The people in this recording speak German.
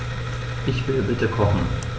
Ich will bitte kochen.